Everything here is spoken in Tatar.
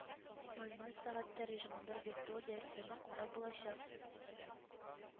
Ноль ноль сәгатьтә режимында виртуаль дәресләрне карап булачак